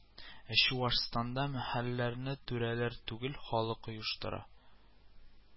Ә Чувашстанда мәхәлләләрне түрәләр түгел, халык ойыштыра